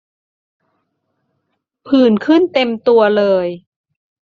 ผื่นขึ้นเต็มตัวเลย